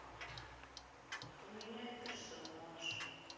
поменяй персонаж